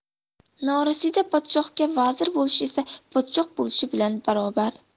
norasida podshohga vazir bo'lish esa podshoh bo'lish bilan barobar